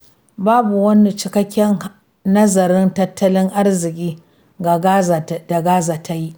Babu wani cikakken nazarin tattalin arziki da GRZ ta yi.